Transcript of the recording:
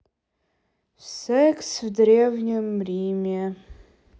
секс в древнем риме